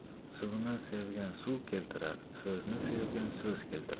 suvni sevgan suv keltirar so'zni sevgan so'z keltirar